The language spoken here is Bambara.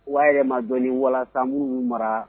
U ka yɛlɛma dɔnin ɔ walasa minnu bɛ k'u mara